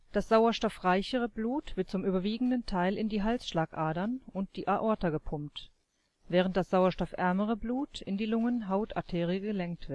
Das sauerstoffreichere Blut wird zum überwiegenden Teil in die Halsschlagadern und die Aorta gepumpt, während das sauerstoffärmere Blut in die Lungen-Haut-Arterie gelenkt